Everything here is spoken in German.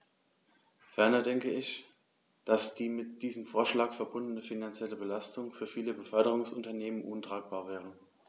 Ferner denke ich, dass die mit diesem Vorschlag verbundene finanzielle Belastung für viele Beförderungsunternehmen untragbar wäre.